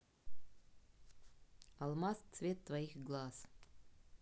алмаз цвет твоих глаз